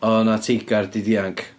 Oedd 'na teigar 'di dianc.